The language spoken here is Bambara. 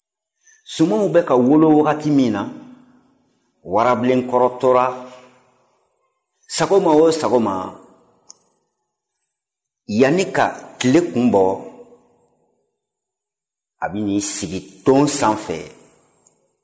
suman bɛ ka wolo wagati min na warabilenkɔrɔ tora sagoma o sagoma yanni ka tile kunbɔ ka na i sigi nton in sanfɛ